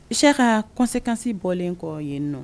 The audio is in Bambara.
I se ka kɔnsekansi bɔlen kɔ yen n nɔ